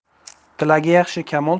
tilagi yaxshi kamol